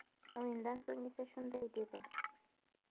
o'yindan so'ng esa shunday dedi